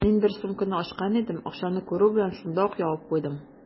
Мин бер сумканы ачкан идем, акчаны күрү белән, шунда ук ябып куйдым.